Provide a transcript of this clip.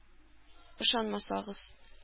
Ышанмасагыз